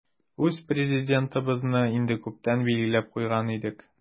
Үз Президентыбызны инде күптән билгеләп куйган идек.